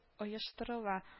Оештырыла